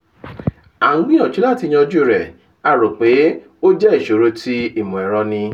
A ń gbìyànjú láti yanjú rẹ̀, a rò pé ó jẹ́ ìṣòro tí ìmọ̀ ẹ̀rọ ni.